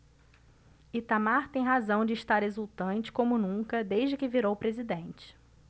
itamar tem razão de estar exultante como nunca desde que virou presidente